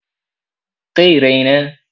غیر اینه؟